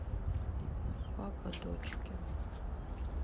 папа дочки